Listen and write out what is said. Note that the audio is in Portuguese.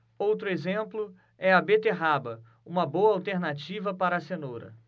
outro exemplo é a beterraba uma boa alternativa para a cenoura